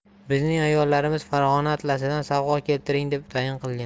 bizning ayollarimiz farg'ona atlasidan savg'o keltiring deb tayin qilgan